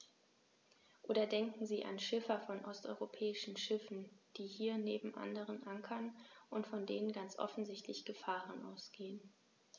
Oder denken Sie an Schiffer von osteuropäischen Schiffen, die hier neben anderen ankern und von denen ganz offensichtlich Gefahren ausgehen.